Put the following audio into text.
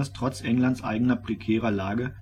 trotz Englands eigener prekärer Lage